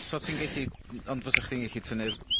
So ti'n gellu... N- ond fasa chdi'n gellu tynnu'r